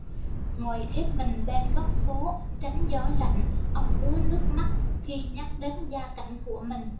ngồi khép mình bên góc phố tránh gió lạnh ông ứa nước mắt khi nhắc đến gia cảnh của mình